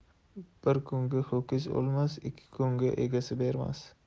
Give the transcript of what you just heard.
bir kunga ho'kiz o'lmas ikki kunga egasi bermas